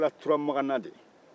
a bɔra turamaganna de